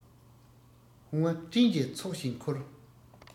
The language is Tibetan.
བུང བ སྤྲིན གྱི ཚོགས བཞིན འཁོར